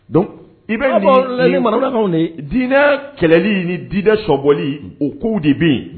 Donc i be diinɛ kɛlɛli ni diinɛ sɔbɔli o kow de be ye